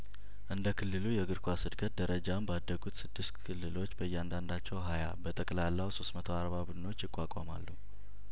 እንደ ክልሉ የእግር ኳስ እድገት ደረጃም ባደጉት ስድስት ክልሎች በእያንዳንዳቸው ሀያ በጠቅላላው ሶስት መቶ አርባ ቡድኖች ይቋቋማሉ